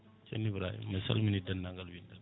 ceerno Ibrahima mi salmini dendagal *